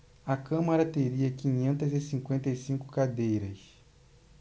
a câmara teria quinhentas e cinquenta e cinco cadeiras